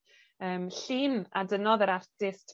yym llun a dynodd yr artist